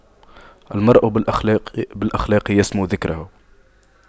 المرء بالأخلاق يسمو ذكره